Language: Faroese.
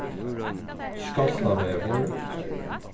skáltavegur